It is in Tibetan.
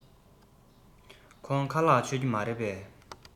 ཁོང ཁ ལག མཆོད ཀྱི མ རེད པས